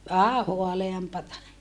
vähän haaleampaa